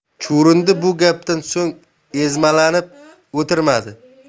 chuvrindi bu gapdan so'ng ezmalanib o'tirmadi